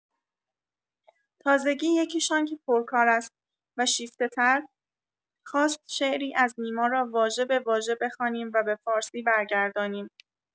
تازگی یکی‌شان که پرکار است و شیفته‌تر، خواست شعری از نیما را واژه به واژه بخوانیم و به فارسی برگردانیم.